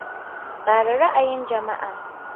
Tsara Ra'ayin Jama'a